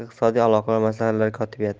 iqtisodiy aloqalar masalalari kotibiyati